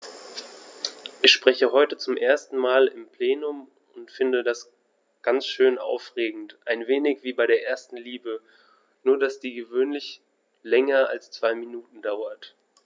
Ich spreche heute zum ersten Mal im Plenum und finde das ganz schön aufregend, ein wenig wie bei der ersten Liebe, nur dass die gewöhnlich länger als zwei Minuten dauert.